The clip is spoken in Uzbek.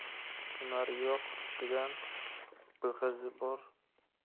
hunari yo'q kishidan